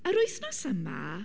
Yr wythnos yma...